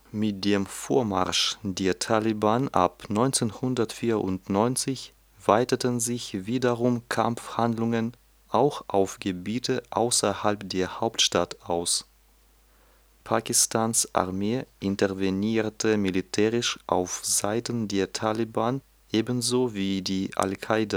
Mit dem Vormarsch der Taliban ab 1994 weiteten sich wiederum Kampfhandlungen auch auf Gebiete außerhalb der Hauptstadt aus. Pakistans Armee intervenierte militärisch auf Seiten der Taliban ebenso wie die Al-Qaida